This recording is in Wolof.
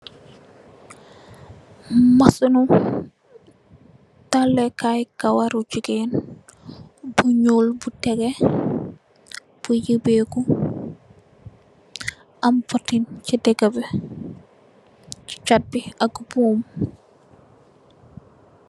Macine ni talekai kawarri gegen bu nglu bu tekge bu obeko bu ameh button si digabi si chatbi am boom.